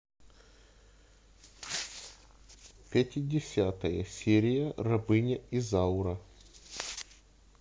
пятидесятая серия рабыня изаура